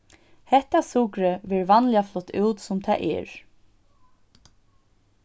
hetta sukrið verður vanliga flutt út sum tað er